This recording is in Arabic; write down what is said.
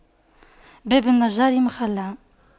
باب النجار مخَلَّع